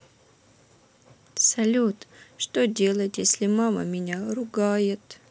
салют что делать если мама меня ругает